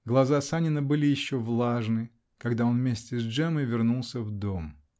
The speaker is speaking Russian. Глаза Санина были еще влажны, когда он вместе с Джеммой вернулся в дом.